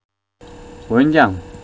འོན ཀྱང